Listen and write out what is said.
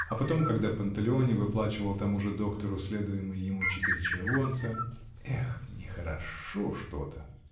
А потом, когда Панталеоне выплачивал тому же доктору следуемые ему четыре червонца. Эх! нехорошо что-то!